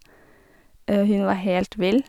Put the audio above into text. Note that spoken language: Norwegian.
Hun var helt vill.